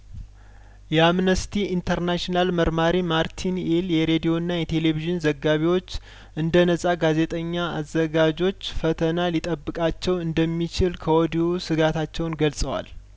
የአምነስቲ ኢንተርናሽናል መርማሪ ማርቲን ሂል የሬዲዮና የቴሌቪዥን ዘጋቢዎች እንደነጻ ጋዜጠኛ አዘጋጆች ፈተና ሊጠብቃቸው እንደሚችል ከወዲሁ ስጋታቸውን ገልጸዋል